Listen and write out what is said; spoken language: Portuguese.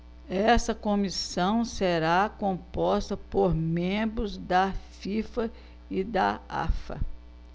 essa comissão será composta por membros da fifa e da afa